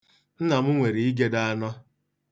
Nna m nwere igede anọ.